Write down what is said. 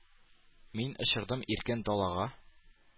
Мин очырдым иркен далага.